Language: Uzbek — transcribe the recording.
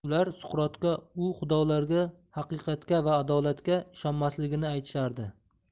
ular suqrotga u xudolarga haqiqatga va adolatga ishonmasligini aytishardi